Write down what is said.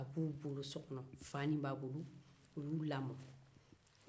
u b'u fa ni ba bolo u b'u lamɔ